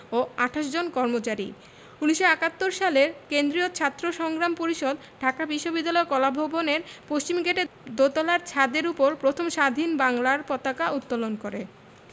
ও ২৮ জন কর্মচারী ১৯৭১ সালের কেন্দ্রীয় ছাত্র সংগ্রাম পরিষদ ঢাকা বিশ্ববিদ্যালয় কলাভবনের পশ্চিমগেটের দোতলার ছাদের উপর প্রথম স্বাধীন বাংলার পতাকা উত্তোলন করে